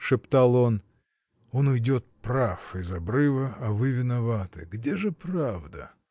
— шептал он, — он уйдет прав из обрыва, а вы виноваты! Где же правда?.